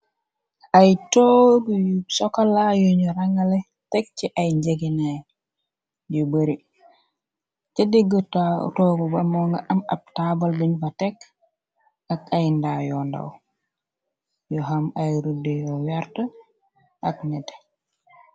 Ay togy sokala yuñu rangale teg ci ay njeginaay yu bari ca digg toog ba moo nga am ab taabal buñ fa tekk ak ay ndaayondaw yu xam ay ruddi rwert ak nete.